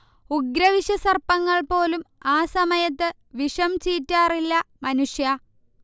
ഉഗ്രവിഷസർപ്പങ്ങൾ പോലും ആ സമയത്ത് വിഷം ചീറ്റാറില്ല മനുഷ്യാ